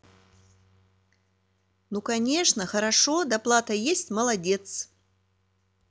ну конечно хорошо доплата есть молодец